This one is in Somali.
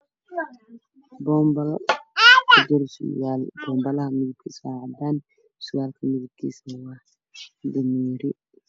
Boombalo ku jiro surwaal boombalaha midabkiisu waa cadaan surwaalka midab kiisu waa dameeri